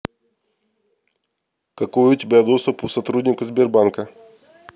какой у тебя доступ у сотрудников сбербанка